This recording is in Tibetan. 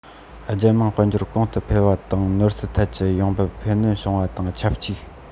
རྒྱལ དམངས དཔལ འབྱོར གོང དུ འཕེལ བ དང ནོར སྲིད ཐད ཀྱི ཡོང འབབ འཕེལ སྣོན བྱུང བ དང ཆབས ཅིག